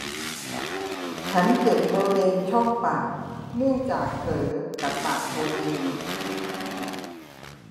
ฉันเจ็บบริเวณช่องปากเนื่องจากเผลอกัดปากตัวเอง